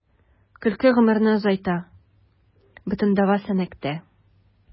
Көлке гомерне озайта — бөтен дәва “Сәнәк”тә.